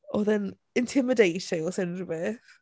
Oedd e'n intimidating os unrhyw beth.